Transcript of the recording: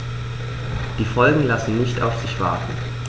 Die Folgen lassen nicht auf sich warten.